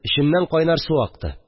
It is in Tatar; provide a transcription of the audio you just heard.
Эчемнән кайнар су акты